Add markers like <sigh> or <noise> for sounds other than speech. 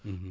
<hesitation> <hesitation>